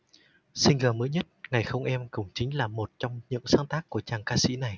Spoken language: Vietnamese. single mới nhất ngày không em cũng chính là một trong những sáng tác của chàng ca sĩ này